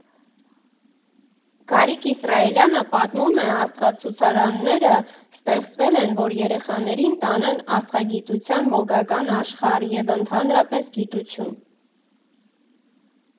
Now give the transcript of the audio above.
Գարիկ Իսրայելյանը պատմում է՝ աստղացուցարանները ստեղծվել են, որ երեխաներին տանեն աստղագիտության մոգական աշխարհ և, ընդհանրապես, գիտություն։